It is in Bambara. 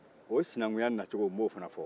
o sinankuya nacogo n b'o fana fɔ